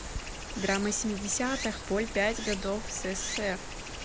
dramma семидесятых поль пять годов сср